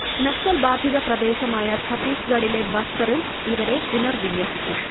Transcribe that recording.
നക്സൽബാധിത പ്രദേശമായ ഛത്തീസ്ഗഢിലെ ബസ്തറിൽ ഇവരെ പുനർവിന്യസിക്കും